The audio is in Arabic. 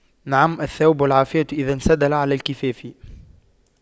نعم الثوب العافية إذا انسدل على الكفاف